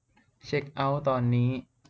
เช็คเอ้าท์ตอนนี้